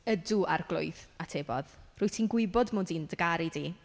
Ydw Arglwydd atebodd Rwyt ti'n gwybod mod i'n dy garu di.